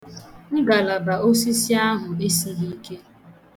Ngalaba osisi ahụ esighi ike.